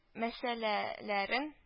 Мәсьәләләрен